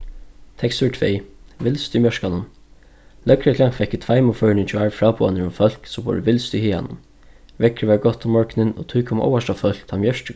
tekstur tvey vilst í mjørkanum løgreglan fekk í tveimum førum í gjár fráboðanir um fólk sum vóru vilst í haganum veðrið var gott um morgunin og tí kom óvart á fólk tá mjørki